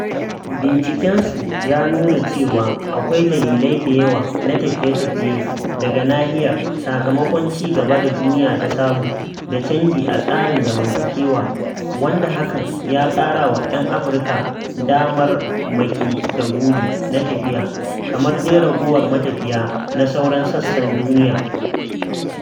Bincikensu ya nuna cewa akwai dalilai da yawa na tafiye-tafiye daga nahiyar sakamakon "cigaban da duniya ta samu da canji a tsarin zamantakewa" wanda hakan ya ƙarawa 'yan Afirka "damarmaki da buri" na tafiya - kamar dai ragowar matafiya na sauran sassan duniya.